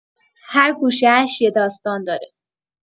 هر گوشه‌اش یه داستان داره.